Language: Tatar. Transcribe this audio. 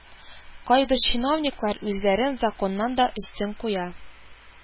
Кайбер чиновниклар үзләрен законнан да өстен куя